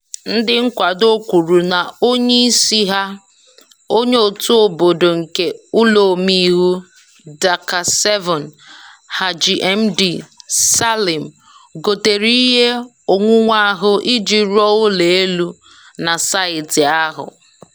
Ndị nkwado kwuru na onye isi ha, onye òtù obodo nke ụlọ omeiwu (Dhaka-7) Haji Md. Salim, gotere ihe onwunwe ahụ iji rụọ ụlọ elu na saịtị ahụ.